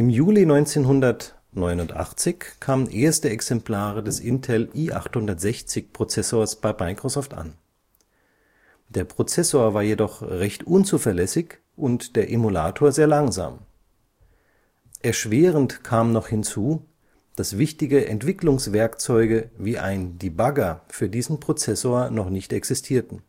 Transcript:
Juli 1989 kamen erste Exemplare des Intel i860-Prozessors bei Microsoft an. Der Prozessor war jedoch recht unzuverlässig und der Emulator sehr langsam. Erschwerend kam noch hinzu, dass wichtige Entwicklungswerkzeuge wie ein Debugger für diesen Prozessor noch nicht existierten